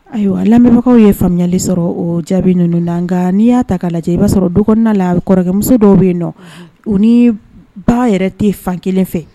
Ayiwa lamɛnbagawkaw ye faamuyali sɔrɔ o jaabi ninnu na nka n'i y'a ta' lajɛ i b'a sɔrɔ dɔgɔn la kɔrɔkɛmuso dɔw bɛ yen nɔ u ba yɛrɛ tɛ fan kelen fɛ